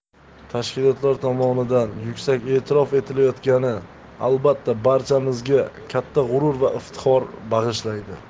tashkilotlar tomonidan yuksak e'tirof etilayotgani albatta barchamizga katta g'urur va iftixor bag'ishlaydi